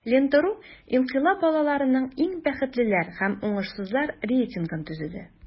"лента.ру" инкыйлаб балаларының иң бәхетлеләр һәм уңышсызлар рейтингын төзеде.